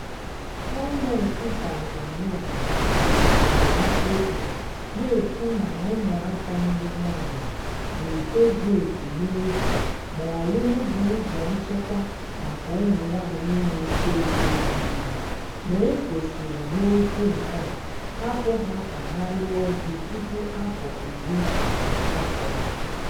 Gọọmentị Tanzania nwara ịkagbu mkpebi a, na-ekwu na ụmụaka ndị nwaanyị na-etozu oke n'oge ma ọlụlụ bụ ụzọ nchekwa maka ụmụ nwaanyị na-eto eto dị ime, ma e kwesịrị, n'okwu nke a, hapụ ha ka ha lụọ di tupu afọ 18.